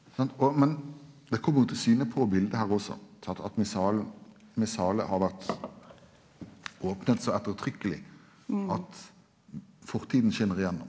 sant og men det kjem jo til syne på bildet her også sant at missalen Missale har vore opna så ettertrykkeleg at fortida skinnar igjennom.